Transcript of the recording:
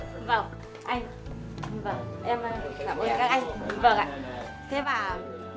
vâng anh vâng em cảm ơn các anh vâng ạ thế và